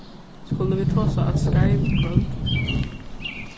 skulu vit tosa á skype í kvøld